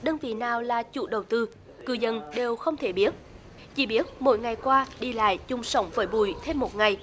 đơn vị nào là chủ đầu tư cư dân đều không thể biết chỉ biết mỗi ngày qua đi lại chung sống với bụi thêm một ngày